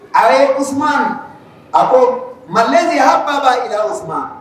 A ye us a ko ma le hababa jirara us